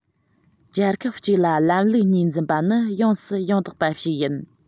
རྒྱལ ཁབ གཅིག ལ ལམ ལུགས གཉིས འཛིན པ ནི ཡོངས སུ ཡང དག པ ཞིག ཡིན